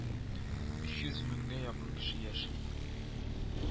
Өч йөз меңгә якын кеше яши